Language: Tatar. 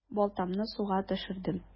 Балтамны суга төшердем.